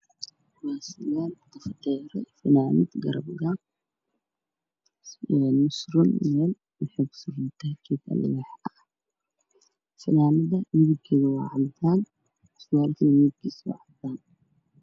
Waa surwaal lugadheera iyo fanaanad gacmo gaab ah oo suran geed alwaax ah. Fanaanadu waa cadaan surwaalku waa cadaan.